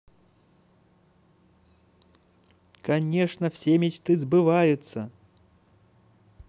конечно все мечты сбываются